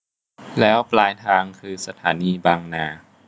แล้วปลายทางคือสถานีบางนา